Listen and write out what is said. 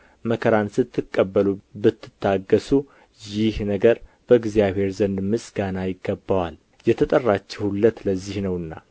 መከራን ስትቀበሉ ብትታገሡ ይህ ነገር በእግዚአብሔር ዘንድ ምስጋና ይገባዋል የተጠራችሁለት ለዚህ ነውና